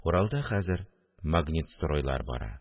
Уралда хәзер Магнитстройлар бара